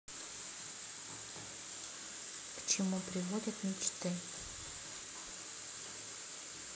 к чему приводят мечты